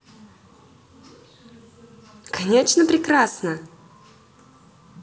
конечно прекрасна